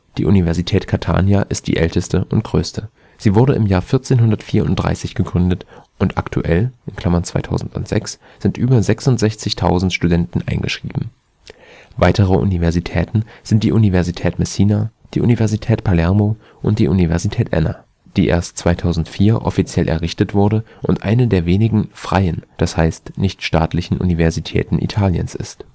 Die Universität Catania ist die älteste und größte. Sie wurde im Jahr 1434 gegründet und aktuell (2006) sind über 66.000 Studenten eingeschrieben. Weitere Universitäten sind die Universität Messina, die Universität Palermo und die Universität Enna, die erst 2004 offiziell errichtet wurde und eine der wenigen „ freien “, das heißt nicht staatlichen Universitäten Italiens ist